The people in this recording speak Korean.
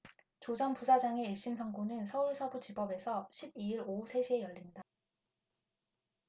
조 전 부사장의 일 심 선고는 서울서부지법에서 십 이 일 오후 세 시에 열린다